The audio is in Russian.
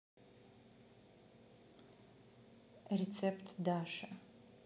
рецепт даше